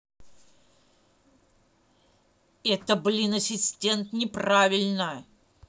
это блин ассистент неправильно